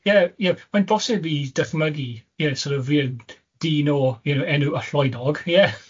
yeah, you know, mae'n bosib i dychmygu, you know sor' of you know, dyn o, you know, enw y llwynog, yeah